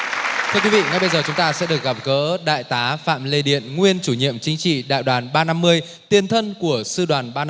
thưa quý vị ngay bây giờ chúng ta sẽ được gặp gỡ đại tá phạm lê điện nguyên chủ nhiệm chính trị đại đoàn ba năm mươi tiền thân của sư đoàn ba